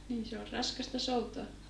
niin se on raskasta soutaa